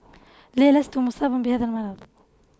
لا لست مصابا بهذا المرض